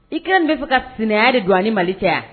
I kɛ n bɛ fɛ ka sɛnɛya de don ni mali caya